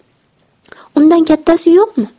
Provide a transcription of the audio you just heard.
undan kattasi yo'qmi